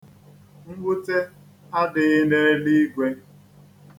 Nnwute adịghị n'eliigwe.